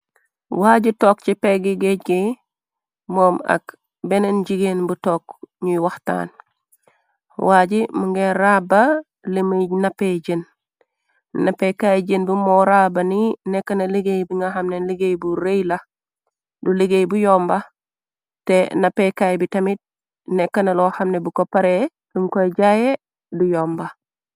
Waaji tokk ci pegg géej gi moom ak benneen jigéen bu tokg ñuy waxtaan waaji mu ngi raabba limuy napee jën nappe kaay jën bi moo rabani nekkna liggéey bi nga xamne liggéey bu rëy la du liggéey bu yomba te napekaay bi tamit nekkna loo xamne bu koppare dun koy jaaye du yomba.